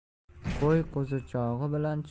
qo'y qo'zichog'i bilan